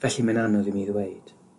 felly, mae'n anodd i mi ddweud.